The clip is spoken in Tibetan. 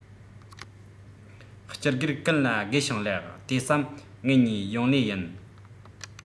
སྤྱི སྒེར ཀུན ལ དགེ ཞིང ལེགས དེ བསམ ངེད གཉིས ཡོང ལེ ཡིན